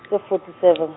tse forty seven.